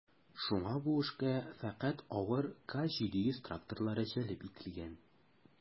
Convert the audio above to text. Шуңа бу эшкә фәкать авыр К-700 тракторлары җәлеп ителгән.